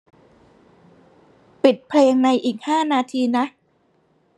ปิดเพลงในอีกห้านาทีนะ